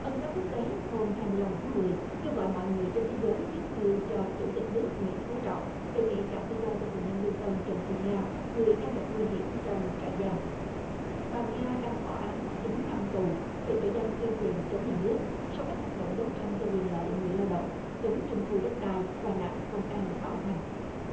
ân xá quốc tế hôm hai mươi lăm tháng mười kêu gọi mọi người trên thế giới viết thư cho chủ tịch nước nguyễn phú trọng đề nghị trả tự do cho tù nhân lương tâm trần thị nga người đang gặp nguy hiểm trong trại giam bà nga đang thọ án chín năm tù về tội danh tuyên truyền chống nhà nước sau các hoạt động đấu tranh cho quyền lợi người lao động chống trưng thu đất đai và nạn công an bạo hành